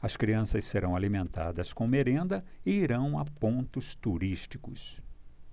as crianças serão alimentadas com merenda e irão a pontos turísticos